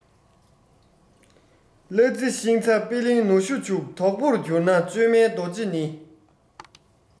གླ རྩི ཤིང ཚ པི ལིང ནུ ཞོ བྱུག དོག པོར གྱུར ན བཅོས མའི རྡོ རྗེ ནི